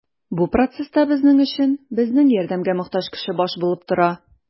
Бу процесста безнең өчен безнең ярдәмгә мохтаҗ кеше баш булып тора.